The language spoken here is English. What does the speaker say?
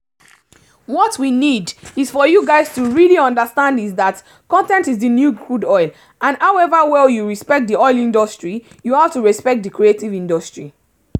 What we need is for you guys to really understand is that content is the new crude oil and however well you respect the oil industry you have to respect the creative industry.